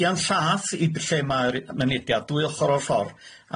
llath i b- lle ma'r i- mynydiad, dwy ochor o'r ffor, a ma' 'na